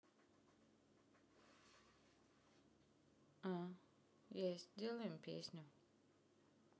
а есть делаем песню